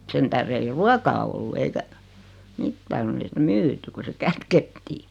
sen tähden ei ruokaa ollut eikä mitään kun ei sitä myyty kun se kätkettiin